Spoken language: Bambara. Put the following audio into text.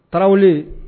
Tarawele